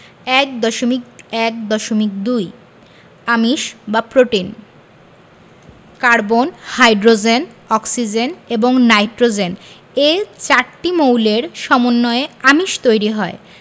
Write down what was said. ১.১.২ আমিষ বা protein carbon hydrogen oxygen এবং নাইট্রোজেন এ চারটি মৌলের সমন্বয়ে আমিষ তৈরি হয়